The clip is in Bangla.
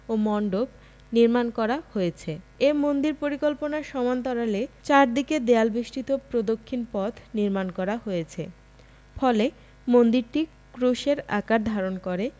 ও মন্ডপ নির্মাণ করা হয়েছে এ মন্দির পরিকল্পনার সমান্তরালে চারদিকে দেয়াল বেষ্টিত প্রদক্ষিণ পথ নির্মাণ করা হয়েছে ফলে মন্দিরটি ক্রুশের আকার ধারণ করে